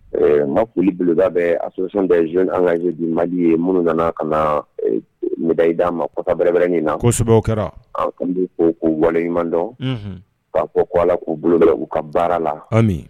Ma ku boloda bɛ a fɛn tɛ z an kaz malidi ye minnu nana ka na mdayi d'a ma kɔta wɛrɛɛrɛ insɛbɛ kɛra ko ko walehiɲumandɔn ko k'' bolo u ka baara la